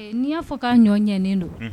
N'i y'a fɔ k kaa ɲɔ ɲɛlen don